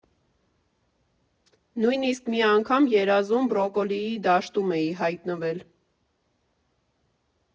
Նույնիսկ մի անգամ երազում բրոկոլիի դաշտում էի հայտնվել։